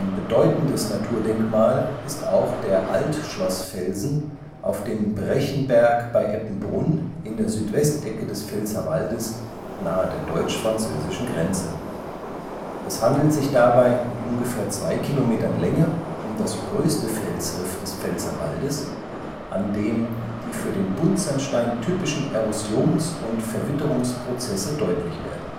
bedeutendes Naturdenkmal ist auch der Altschlossfelsen auf dem Brechenberg bei Eppenbrunn in der Südwestecke des Pfälzerwaldes nahe der deutsch-französischen Grenze. Es handelt sich dabei mit ungefähr zwei Kilometern Länge um das größte Felsriff des Pfälzerwaldes, an dem die für den Buntsandstein typischen Erosions - und Verwitterungsprozesse (z. B. Wabenverwitterung) deutlich werden